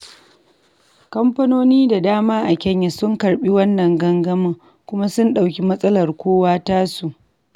Kamfanoni da dama a Kenya sun karɓi wannan gangamin kuma sun ɗauki matsalar kowa tasu.